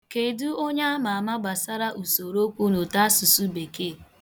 Kedu onye ama ama gbasara usorookwu n' ụtaasụsụ bekee?